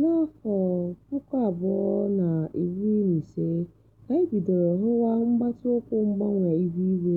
N'afọ 2015 ka anyị bidoro hụwa mgbatị ụkwụ mgbanwe ihuigwe